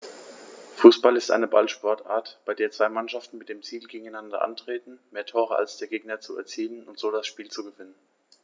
Fußball ist eine Ballsportart, bei der zwei Mannschaften mit dem Ziel gegeneinander antreten, mehr Tore als der Gegner zu erzielen und so das Spiel zu gewinnen.